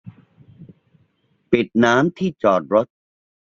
ปิดน้ำที่จอดรถ